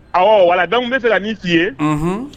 Awɔ voila donc n bɛ fɛ ka min fɔ i ye